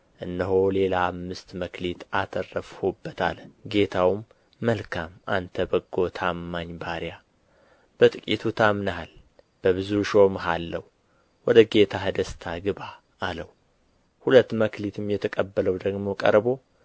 እነሆ ሌላ አምስት መክሊት አተረፍሁበት አለ ጌታውም መልካም አንተ በጎ ታማኝም ባሪያ በጥቂቱ ታምነሃል በብዙ እሾምሃለሁ ወደ ጌታህ ደስታ ግባ አለው ሁለት መክሊትም የተቀበለው ደግሞ ቀርቦ